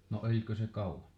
no elikö se kauan